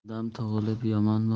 odam tug'ilib yomon